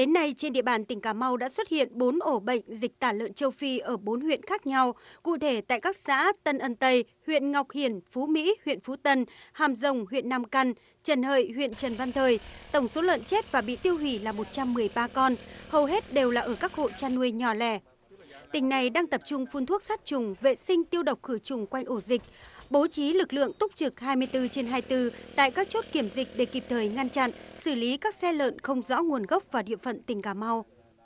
đến nay trên địa bàn tỉnh cà mau đã xuất hiện bốn ổ bệnh dịch tả lợn châu phi ở bốn huyện khác nhau cụ thể tại các xã tân ân tây huyện ngọc hiển phú mỹ huyện phú tân hàm rồng huyện năm căn trần hợi huyện trần văn thời tổng số lợn chết và bị tiêu hủy là một trăm mười ba con hầu hết đều là ở các hộ chăn nuôi nhỏ lẻ tỉnh này đang tập trung phun thuốc sát trùng vệ sinh tiêu độc khử trùng quanh ổ dịch bố trí lực lượng túc trực hai mươi tư trên hai tư tại các chốt kiểm dịch để kịp thời ngăn chặn xử lý các xe lợn không rõ nguồn gốc vào địa phận tỉnh cà mau